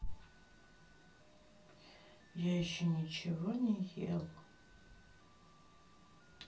я еще ничего не ела